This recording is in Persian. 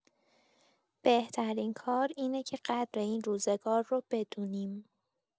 بهترین کار اینه که قدر این روزگار رو بدونیم.